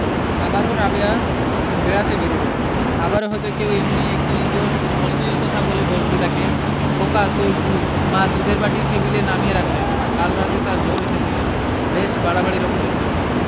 আবারও রাবেয়া বেড়াতে বেরুবে আবারো হয়তো কেউ এমনি একটি ইতর অশ্লীল কথা বলে বসবে তাকে খোকা তোর দুধ মা দুধের বাটি টেবিলে নামিয়ে রাখলেন কাল রাতে তার জ্বর এসেছিল বেশ বাড়াবাড়ি রকমের জ্বর